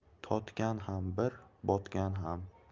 totgan ham bir botgan ham